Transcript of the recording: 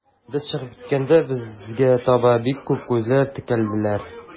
Без чыгып киткәндә, безгә таба бик күп күзләр текәлделәр.